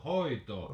hoitaa